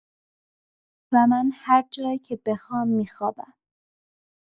و من هرجایی که بخوام می‌خوابم.